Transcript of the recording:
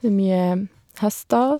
Det er mye hester.